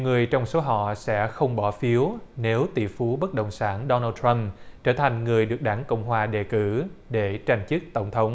người trong số họ sẽ không bỏ phiếu nếu tỷ phú bất động sản đo nồ trăm trở thành người được đảng cộng hòa đề cử để tranh chức tổng thống